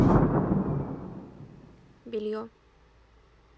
белье